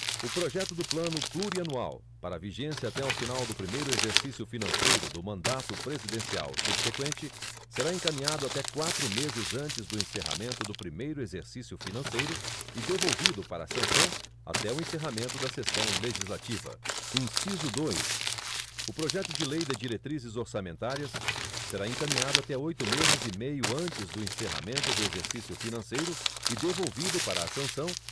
o projeto do plano plurianual para vigência até o final do primeiro exercício financeiro do mandato presidencial subseqüente será encaminhado até quatro meses antes do encerramento do primeiro exercício financeiro e devolvido para sanção até o encerramento da sessão legislativa inciso dois o projeto de lei de diretrizes orçamentárias será encaminhado até oito meses e meio antes do encerramento do exercício financeiro e devolvido para sanção